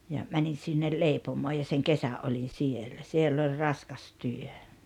ja menin sinne leipomoon ja sen kesän olin siellä siellä oli raskas työ